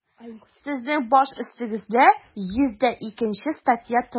Сезнең баш өстегездә 102 нче статья тора.